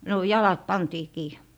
no jalat pantiin kiinni